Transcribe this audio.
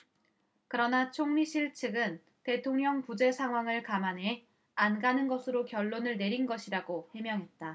그러나 총리실측은 대통령 부재 상황을 감안해 안 가는 것으로 결론을 내린 것이라고 해명했다